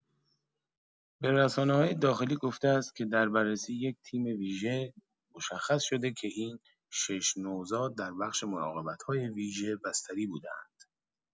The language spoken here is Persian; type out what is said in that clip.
به رسانه‌های داخلی گفته است که در بررسی یک تیم ویژه، مشخص‌شده که این شش نوزاد در بخش مراقبت‌های ویژه بستری بوده‌اند.